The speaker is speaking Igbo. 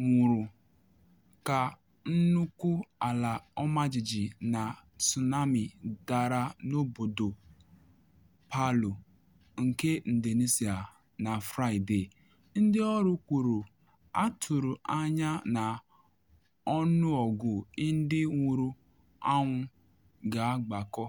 nwụrụ ka nnukwu ala ọmajiji na tsunami dara n’obodo Palu nke Indonesia na Fraịde, ndị ọrụ kwuru, atụrụ anya na ọnụọgụ ndị nwụrụ anwụ ga-agbakọ.